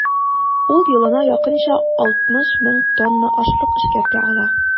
Ул елына якынча 60 мең тонна ашлык эшкәртә ала.